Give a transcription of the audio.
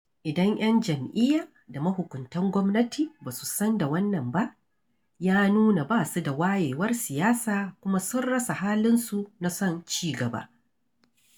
Idan 'yan jam'iyya da mahukuntan gwamnati ba su san da wannan ba, ya nuna ba su da wayewar siyasa kuma sun rasa halinsu na son cigaba.